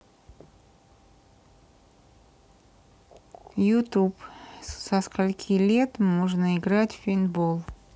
youtube со скольки лет можно играть в пейнтбол